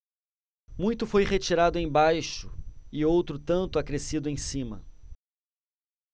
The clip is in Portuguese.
muito foi retirado embaixo e outro tanto acrescido em cima